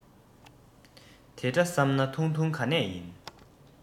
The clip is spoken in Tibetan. དེ འདྲ བསམས ན ཐུང ཐུང ག ནས ཡིན